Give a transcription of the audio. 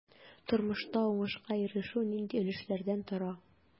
Тормышта уңышка ирешү нинди өлешләрдән тора?